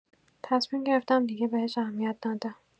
تصمیم گرفتم دیگه بهش اهمیت ندم.